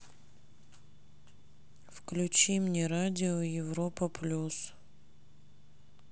включи мне радио европа плюс